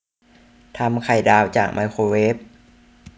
ทำไข่ดาวจากไมโครเวฟ